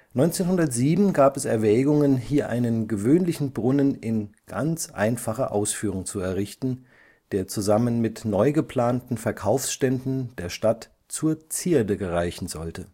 1907 gab es Erwägungen, hier einen gewöhnlichen Brunnen in „ ganz einfacher Ausführung “zu errichten, der zusammen mit neu geplanten Verkaufsständen der Stadt zur „ Zierde gereichen “sollte